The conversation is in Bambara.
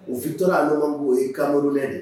U vitɔra ɲɔgɔn kun o ye kamerunɛ de ye